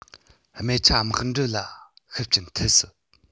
སྨད ཆ དམག གྲབས ལ ཤུགས རྐྱེན ཐེབས སྲིད